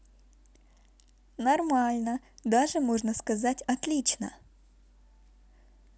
нормально даже можно сказать отлично